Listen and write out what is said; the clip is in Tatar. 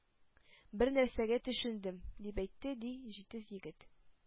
Бернәрсәгә төшендем, — дип әйтте, ди, җитез егет.